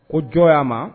Ko jɔn ya ma?